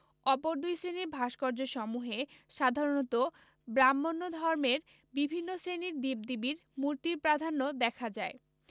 অপর দুই শ্রেণীর ভাস্কর্যসমূহে সাধারণত ব্রাক্ষ্মণ্য ধর্মের বিভিন্ন শ্রেণির দেব দেবীর মূর্তির প্রাধান্য দেখা যায়